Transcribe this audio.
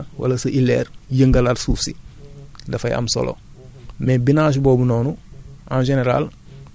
léegi yow le fait que nga ñëw jël sa benn houe wala sa dara wala sa ileer yëngalaat suuf si